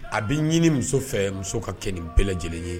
A bɛ ɲini muso fɛ, muso ka kɛ nin bɛɛ lajɛlen ye.